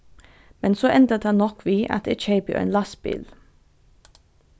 men so endar tað nokk við at eg keypi ein lastbil